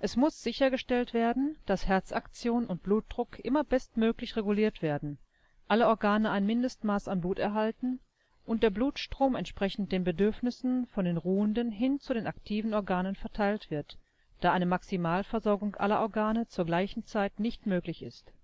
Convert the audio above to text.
Es muss sichergestellt werden, dass Herzaktion und Blutdruck immer bestmöglich reguliert werden, alle Organe ein Mindestmaß an Blut erhalten und der Blutstrom entsprechend den Bedürfnissen von den ruhenden hin zu den aktiven Organen verteilt wird, da eine Maximalversorgung aller Organe zur gleichen Zeit nicht möglich ist